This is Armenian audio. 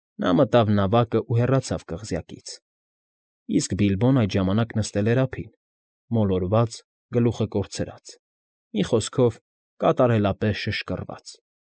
Նա մտավ նավակն ու հեռացավ կղզյակից, իսկ Բիլբոն այդ ժամանակ նստել էր ափին՝ մոլորված, գլուխը կորցրած, մի խոսքով՝ կատարելապես շշկռված։